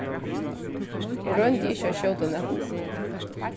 eg royndi ikki at skjóta nakað upp